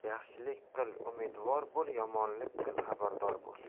yaxshilik qil umidvor bo'l yomonlik qil xabardor bo'l